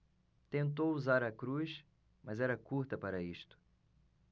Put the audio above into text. tentou usar a cruz mas era curta para isto